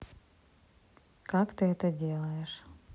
как ты это делаешь